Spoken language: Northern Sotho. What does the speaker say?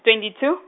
Twenty two.